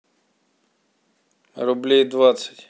рублей двадцать